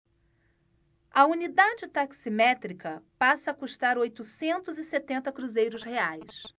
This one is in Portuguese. a unidade taximétrica passa a custar oitocentos e setenta cruzeiros reais